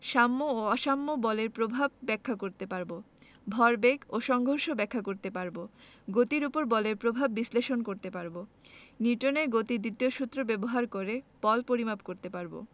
সাম্য ও অসাম্য বলের প্রভাব ব্যাখ্যা করতে পারব ভরবেগ এবং সংঘর্ষ ব্যাখ্যা করতে পারব গতির উপর বলের প্রভাব বিশ্লেষণ করতে পারব নিউটনের গতির দ্বিতীয় সূত্র ব্যবহার করে বল পরিমাপ করতে পারব